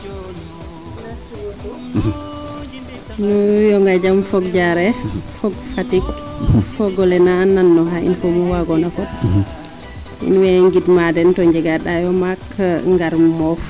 merci beaucoup nu yonga no jam fog Diarere fog Fatick fogole naa fop in way ngidma den to jegaa ndaayo maak ngar moof